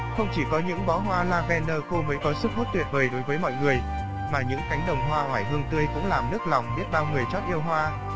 không chỉ có những bó hoa oải hương khô mới có sức hút tuyệt vời đối với mọi người mà những cánh đồng hoa oải hương tươi cũng làm nức lòng biết bao người trót yêu hoa